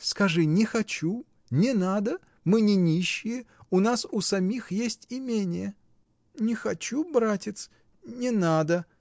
— Скажи: не хочу, не надо, мы не нищие, у нас у самих есть имение. — Не хочу, братец, не надо.